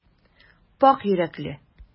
Пакь йөрәкле.